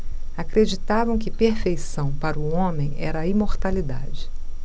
acreditavam que perfeição para o homem era a imortalidade